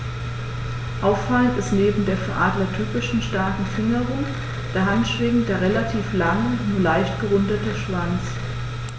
Auffallend ist neben der für Adler typischen starken Fingerung der Handschwingen der relativ lange, nur leicht gerundete Schwanz.